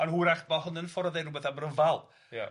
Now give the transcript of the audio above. Ond hwyrach ma' hwn yn ffordd o ddweud rywbeth am ryfal... Ia.